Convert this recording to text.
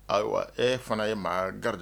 Ayiwa e fana ye maa gari